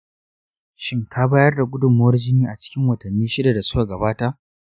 shin ka bayar da gudunmawar jini a cikin watanni shida da suka gabata?